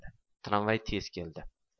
tramvay tez keldi